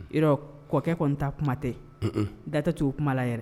Kɔkɛ kɔni ta kuma tɛ datɛcogo u kuma la yɛrɛ